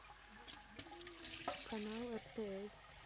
канал ртс